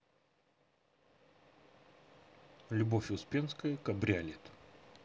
любовь успенская кабриолет